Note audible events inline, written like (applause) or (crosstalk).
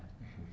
(hesitation) (hesitation)